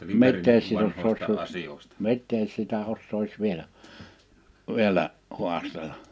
mitäs sitten osaisi - mitäs sitä osaisi vielä vielä haastella